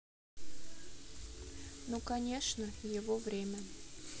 ну конечно его время